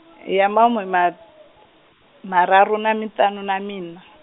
ya mahumima- -mararu na miṱanu na miṋa.